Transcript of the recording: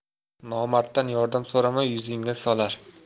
nomarddan yordam so'rama yuzingga solar